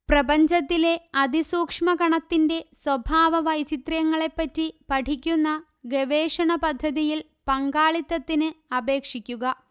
പ്രപഞ്ചത്തിലെ അതിസൂക്ഷ്മ കണത്തിന്റെ സ്വഭാവ വൈചിത്ര്യങ്ങളെ പറ്റി പഠിക്കുന്ന ഗവേഷണ പദ്ധതിയിൽ പങ്കാളിത്തത്തിന് അപേക്ഷിയ്ക്കുക